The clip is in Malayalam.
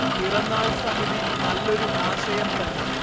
പിറന്നാൾ സമിതി നല്ലൊരു ആശയം തന്നെ